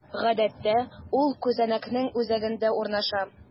Гадәттә, ул күзәнәкнең үзәгендә урнаша.